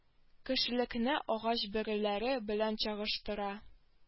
Кешелекне агач бөреләре белән чагыштыра